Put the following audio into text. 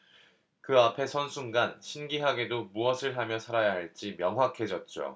그 앞에 선 순간 신기하게도 무엇을 하며 살아야 할지 명확해졌죠